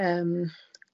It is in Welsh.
Yym.